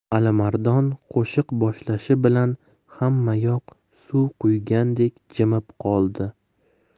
alimardon qo'shiq boshlashi bilan hammayoq suv quyganday jimib qoldi